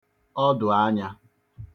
ọdụ̀anyā